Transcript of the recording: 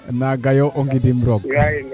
naaga yo o ngidim roog